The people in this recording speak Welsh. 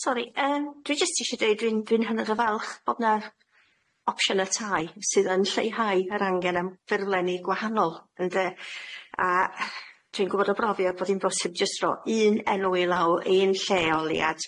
Sori yym dwi jyst isie deud dwi'n dwi'n hynod o falch bod na opsiyne tai sydd yn lleihau yr angen am ffurflenni gwahanol ynde? A dwi'n gwbod y brofiad bod hi'n bosib jyst ro' un enw i lawr un lleoliad.